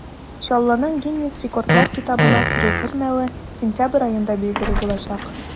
Чаллының Гиннес рекордлар китабына керү-кермәве сентябрь аенда билгеле булачак.